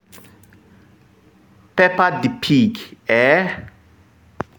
“”Peppa the Pig,” ee.”